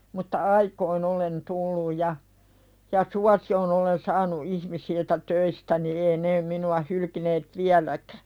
mutta aikoihin olen tullut ja ja suosion olen saanut ihmisiltä töistäni ei ne minua hylkineet vieläkään